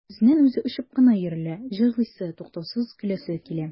Үзеннән-үзе очып кына йөрелә, җырлыйсы, туктаусыз көләсе килә.